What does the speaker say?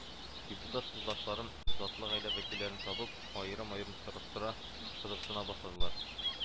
Депутат юлдашларым затлы гаилә вәкилләрен табып, аерым-аерым сораштыра, кызыксына башладылар